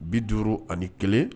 51